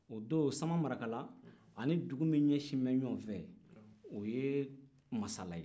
o don samamarakala a ni dugu min ɲɛ sinnen bɛ ɲɔgɔn ma o ye masala ye